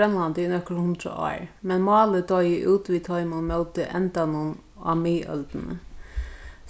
grønlandi í nøkur hundrað ár men málið doyði út við teimum móti endanum á miðøldini